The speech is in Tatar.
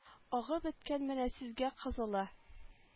Агы беткән менә сезгә кызылы